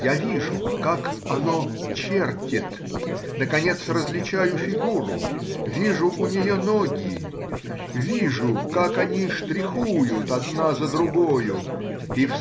я вижу, как оно чертит, наконец различаю фигуру — вижу у нее ноги,— я вижу, как они штрихуют одна за другою и.